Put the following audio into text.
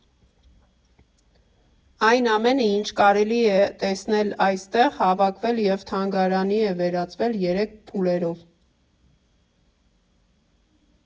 Այն ամենը, ինչ կարելի է տեսնել այստեղ, հավաքվել և թանգարանի է վերածվել երեք փուլելով։